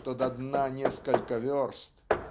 что до дна несколько верст